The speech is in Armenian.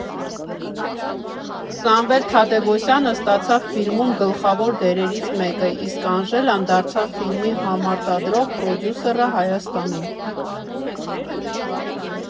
Սամվել Թադևոսյանը ստացավ ֆիլմում գլխավոր դերերից մեկը, իսկ Անժելան դարձավ ֆիլմի համարտադրող պրոդյուսերը Հայաստանում։